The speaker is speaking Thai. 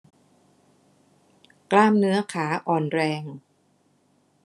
กล้ามเนื้อขาอ่อนแรง